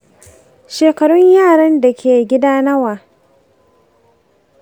shekarun yaran da ke gida nawa?